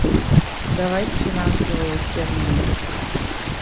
давай с финансового термина